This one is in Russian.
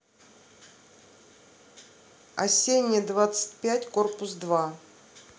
осенняя двадцать пять корпус два